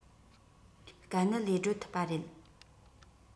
དཀའ གནད ལས སྒྲོལ ཐུབ པ རེད